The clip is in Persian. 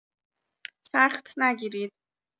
سخت نگیرید.